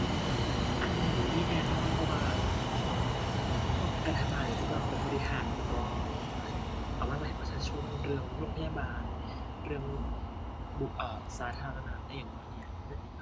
อันนี้นี่มีแน่นอน เพราะว่ารัฐบาลนี่ก็ต้องเอาไปบริหารแม่นบ่ เออ ให้ เอามาให้ประชาชนเรื่องโรงพยาบาล เรื่อง บุ เออ สาธารณะ อิหยังประมาณนี้อะ